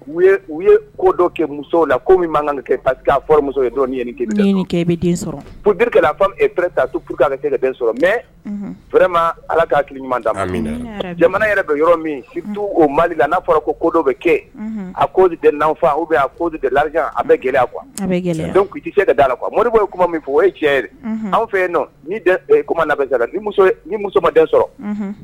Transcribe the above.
U ye ko dɔ kɛ muso la komuso ye ye kɛ bɛ pta tu p kɛ den sɔrɔ mɛ fɛrɛma ala k'a hakili ɲuman dama min na jamana yɛrɛ don yɔrɔ min situ o mali la n'a fɔra ko dɔ bɛ kɛ a ko tɛ n'anfa u bɛ tɛ la a bɛ gɛlɛya kuwa a bɛ gɛlɛya tɛ se ka d da la qu kuwa moriɔri ye kuma min fɔ o ye cɛ anw fɛ yen kuma labɛnsa muso ma den sɔrɔ